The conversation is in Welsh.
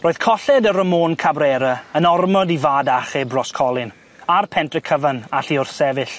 Roedd colled y Ramon Cabrera yn ormod i fad-achub Roscolyn, a'r pentre cyfan allu wrthsefyll.